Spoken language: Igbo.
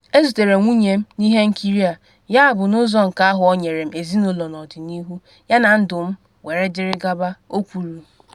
‘Ezutere m nwunye m n’ihe nkiri a, yabụ n’ụzọ nke ahụ o nyere m ezinụlọ m n’ọdịnihu, ya na ndụ m were dịrị gaba.’ o kwuru.